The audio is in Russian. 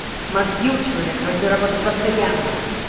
мозги у человека должны работать постоянно